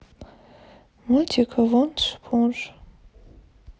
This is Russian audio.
мультик вунш пунш